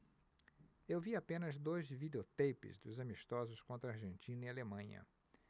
eu vi apenas dois videoteipes dos amistosos contra argentina e alemanha